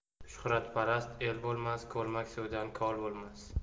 shuhratparast el bo'lmas ko'lmak suvdan koi bo'lmas